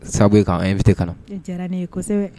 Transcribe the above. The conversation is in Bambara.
Sabu ye k'an inviter kana o diyara ne ye kosɛbɛ